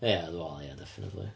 Ia, dwi'n meddwl ia definitely.